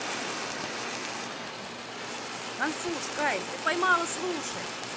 конфуз кайф ты поймала слушать